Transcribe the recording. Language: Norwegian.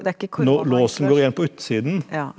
det er ikke korona-isolasj ja.